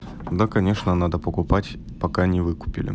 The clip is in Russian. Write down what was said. да конечно надо покупать пока не выкупили